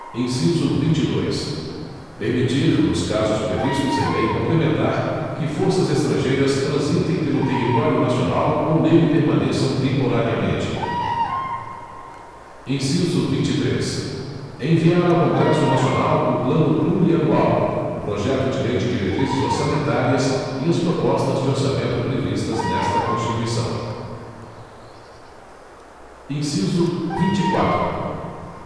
inciso vinte e dois permitir nos casos previstos em lei complementar que forças estrangeiras transitem pelo território nacional ou nele permaneçam temporariamente inciso vinte e três enviar ao congresso nacional o plano plurianual o projeto de lei de diretrizes orçamentárias e as propostas de orçamento previstas nesta constituição inciso vinte e quatro